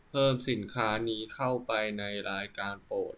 เพิ่มสินค้านี้เข้าไปในรายการโปรด